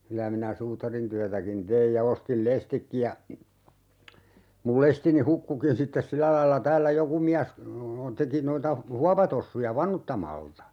kyllä minä suutarintyötäkin tein ja ostin lestitkin ja minun lestini hukkuikin sitten sillä lailla täällä joku mies teki noita huopatossuja vanuttamalla